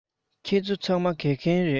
ཁྱེད ཚོ ཚང མ དགེ རྒན རེད